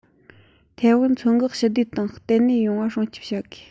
ཐའེ ཝན མཚོ འགག ཞི བདེ དང བརྟན གནས ཡོང བ སྲུང སྐྱོབ བྱ དགོས